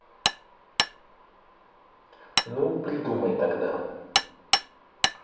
ну придумай тогда